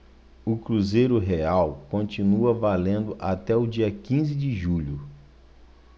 o cruzeiro real continua valendo até o dia quinze de julho